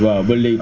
waaw ba léegi